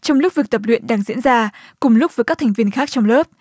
trong lúc việc tập luyện đang diễn ra cùng lúc với các thành viên khác trong lớp